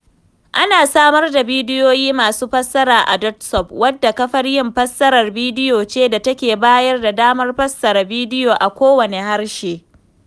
Ana samar da bidiyoyi masu fassara a dotSUB, wadda kafar yin fassarar bidiyoyi ce da take bayar da damar fassara bidiyo a kowane harshe.